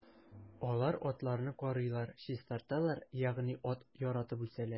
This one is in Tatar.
Алар атларны карыйлар, чистарталар, ягъни ат яратып үсәләр.